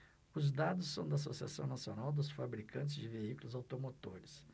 os dados são da anfavea associação nacional dos fabricantes de veículos automotores